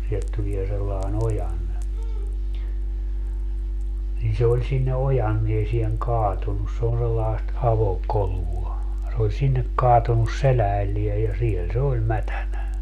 sieltä tulee sellainen ojanne niin se oli sinne ojanteeseen kaatunut se on sellaista avokolua se oli sinne kaatunut selälleen ja siellä se oli mätänä